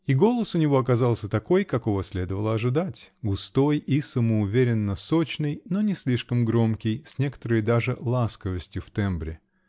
И голос у него оказался такой, какого следовало ожидать: густой и самоуверенно-сочный, но не слишком громкий, с некоторой даже ласковостью в тембре.